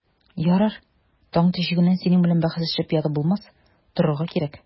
Ярар, таң тишегеннән синең белән бәхәсләшеп ятып булмас, торырга кирәк.